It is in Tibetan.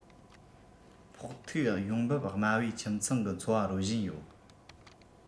ཕོག ཐུག ཡོང འབབ དམའ བའི ཁྱིམ ཚང གི འཚོ བ རོལ བཞིན ཡོད